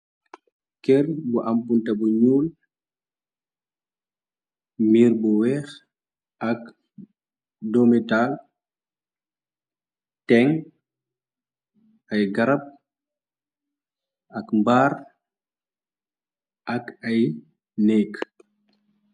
Kër bu ampunte bu ñuul, mbir bu weex ak dometaal, teng ay garab, ak mbaar, ak ay nékk.